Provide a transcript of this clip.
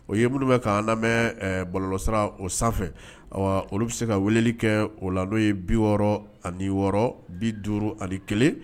O ye minnu bɛ' lamɛn balolɔsirara o sanfɛ olu bɛ se ka weleli kɛ o la n'o ye bi wɔɔrɔ ani wɔɔrɔ bi duuru ani kelen